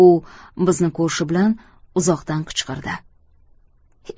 u bizni ko'rishi bilan uzoqdan qichqirdi